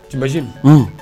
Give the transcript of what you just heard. T'imagines unhun